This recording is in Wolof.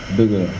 dëgg la